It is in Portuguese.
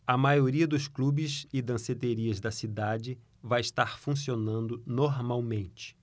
a maioria dos clubes e danceterias da cidade vai estar funcionando normalmente